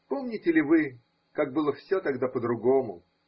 Помните ли вы, как было все тогда по-другому?